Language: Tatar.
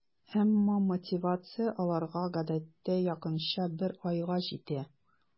Әмма мотивация аларга гадәттә якынча бер айга җитә.